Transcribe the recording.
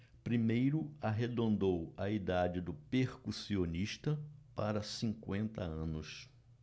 primeiro arredondou a idade do percussionista para cinquenta anos